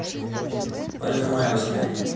парикмахерская